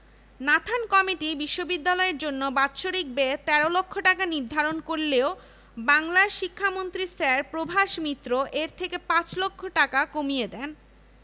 বিজ্ঞানী এস.এন বোস অধ্যাপক আবদুস সালাম অধ্যাপক অমর্ত্য সেন আধুনিক মালয়েশিয়ার রূপকার মাহাথির মোহাম্মদ অধ্যাপক মুহম্মদ ইউনুস প্রমুখ